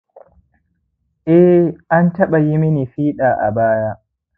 eh, an taɓa yi mini fiɗa a baya